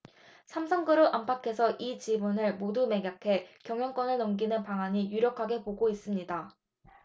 삼성그룹 안팎에선 이 지분을 모두 매각해 경영권을 넘기는 방안이 유력하게 보고 있습니다